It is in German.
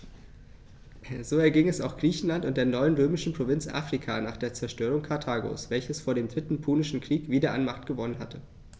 So erging es auch Griechenland und der neuen römischen Provinz Afrika nach der Zerstörung Karthagos, welches vor dem Dritten Punischen Krieg wieder an Macht gewonnen hatte.